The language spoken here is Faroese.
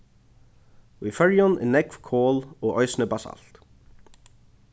í føroyum er nógv kol og eisini basalt